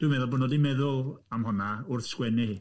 Dwi'n meddwl bod nhw wedi meddwl am hwnna, wrth sgwennu hi.